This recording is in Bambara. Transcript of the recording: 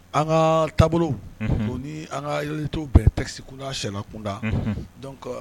An ka taabolo don ni an ka yali' bɛ psikun' cɛlalakunda dɔn